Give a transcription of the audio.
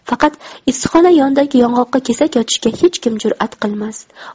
faqat issiqxona yonidagi yong'oqqa kesak otishga hech kim jurat qilmas